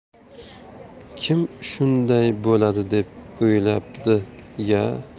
kim shunday bo'ladi deb o'ylabdi ya